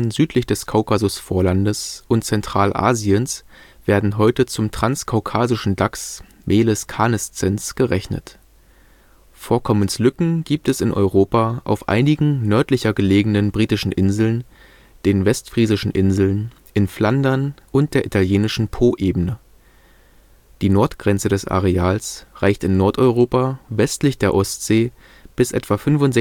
südlich des Kaukasusvorlandes und Zentralasiens werden heute zum Transkaukasischen Dachs (M. canescens) gerechnet. Vorkommenslücken gibt es in Europa auf einigen nördlicher gelegenen Britischen Inseln, den Westfriesischen Inseln, in Flandern und der italienischen Poebene. Die Nordgrenze des Areals reicht in Nordeuropa westlich der Ostsee bis etwa 65°N